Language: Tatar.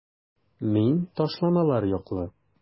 Мин ташламалар яклы.